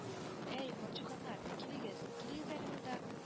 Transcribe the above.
- әй, мальчуганнар, килегез, килегез әле монда